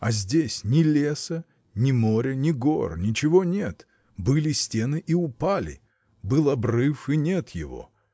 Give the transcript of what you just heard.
А здесь ни леса, ни моря, ни гор — ничего нет: были стены и упали, был обрыв и нет его!